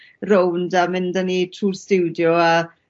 rownd a mynd â ni trw'r stiwdio a